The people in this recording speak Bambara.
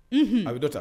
Unhun, a bɛ ta